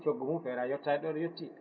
coggu mum feera yettade ɗo ɗo yetti